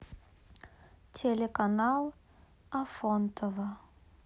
телеканал афонтово